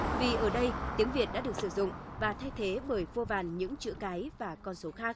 vì ở đây tiếng việt đã được sử dụng và thay thế bởi vô vàn những chữ cái và con số khác